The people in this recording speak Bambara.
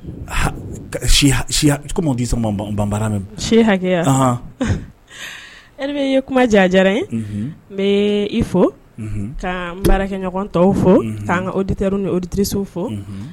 Disɔn ban min si hakɛya e ye kuma diya diyara ye n bɛ i fo ka' baarakɛ ɲɔgɔn tɔw fo ka'an ka oditer ni otirisow fo